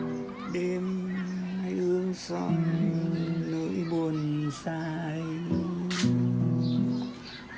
đêm hay gương soi nỗi buồn xa ấy